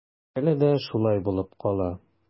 Әле дә шулай булып кала.